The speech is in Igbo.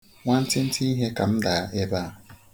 Nwantịntị ihe ka m daa ebe a.